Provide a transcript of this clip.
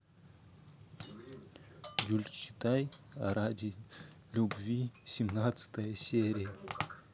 гюльчатай ради любви семнадцатая серия